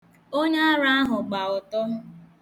Onye ara ahụ gba ọtọ.